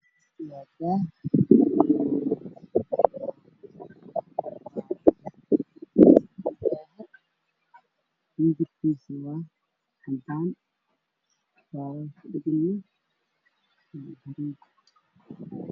Waa guri weyn oo dabaq ah oo ka kooban laba biyano wuxuu leeyahay smith cad iyo geedo waaweyn oo baxay